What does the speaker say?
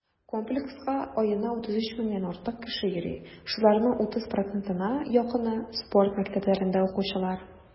Комплекска аена 33 меңнән артык кеше йөри, шуларның 30 %-на якыны - спорт мәктәпләрендә укучылар.